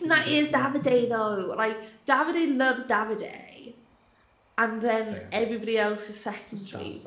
That is Davide though. Like, Davide loves Davide, and then... Fair ...everybody else is secondary.